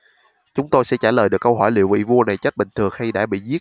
chúng tôi sẽ trả lời được câu hỏi liệu vị vua này chết bình thường hay đã bị giết